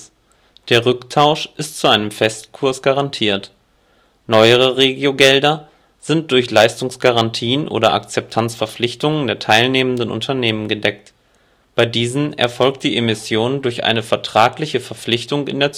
Der Rücktausch ist zu einem Festkurs (meist ca. 95 %) garantiert. Neuere Regiogelder sind durch Leistungsgarantien oder Akzeptanzverpflichtungen der teilnehmenden Unternehmen gedeckt. Bei diesen erfolgt die Emission durch eine vertragliche Verpflichtung in der Zukunft